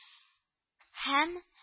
Һәм